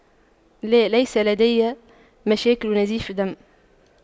لا ليس لدي مشاكل نزيف دم